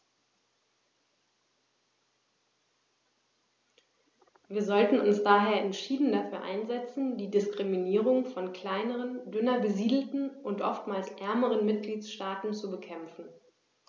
Wir sollten uns daher entschieden dafür einsetzen, die Diskriminierung von kleineren, dünner besiedelten und oftmals ärmeren Mitgliedstaaten zu bekämpfen.